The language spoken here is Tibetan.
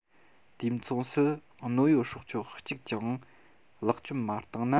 དུས མཚུངས སུ གནོད ཡོད སྲོག ཆགས གཅིག ཀྱང བརླག བཅོམ མ བཏང ན